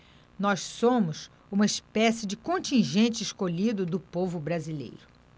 nós somos uma espécie de contingente escolhido do povo brasileiro